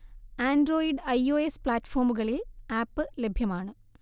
Android I O S പ്ലാറ്റ്ഫോമുകളിൽ app ലഭ്യമാണ്